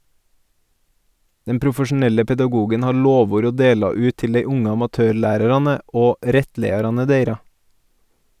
Den profesjonelle pedagogen har lovord å dela ut til dei unge amatørlærarane og rettleiarane deira.